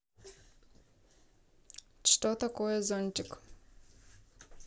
что такое зонтик